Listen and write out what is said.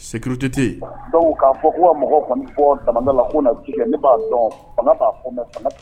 Sécurité tɛ yen, donc k'a fɔ ko ka mɔgɔw kɔni bɔ damanda la ko na ci kɛ ne b'a dɔn fanga t'a fɔ, mais fanga